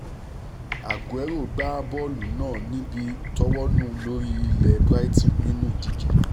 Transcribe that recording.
Aguero gba bọ́ọ̀lù náà níbi tówọnú lórí ilẹ̵̀ Brighton nínú ìdíje yẹn.